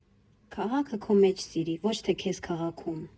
Քաղաքը քո մեջ սիրի, ոչ թե քեզ քաղաքում։